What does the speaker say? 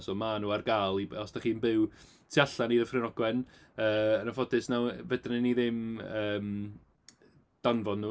So maen nhw ar gael i... os dach chi'n byw tu allan i Ddyffryn Ogwen yy yn anffodus wnawn... fedrwn ni ddim yym danfon nhw.